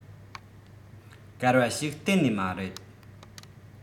ཨུ རུ སུར དམིགས པའི གཏན ནས མིན